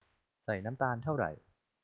ใส่น้ำตาลเท่าไร